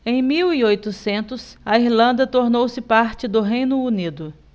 em mil e oitocentos a irlanda tornou-se parte do reino unido